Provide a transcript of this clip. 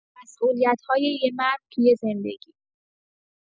مسئولیت‌های یه مرد توی زندگی